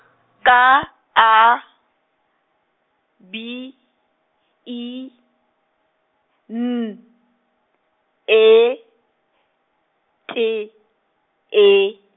K A, B, I, N, E, T, E.